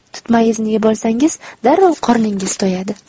tutmayizni yeb olsangiz darrov qorningiz to'yadi